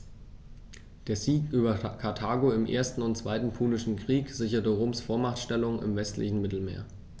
Der Sieg über Karthago im 1. und 2. Punischen Krieg sicherte Roms Vormachtstellung im westlichen Mittelmeer.